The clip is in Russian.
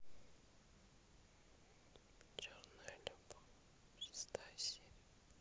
черная любовь шестая серия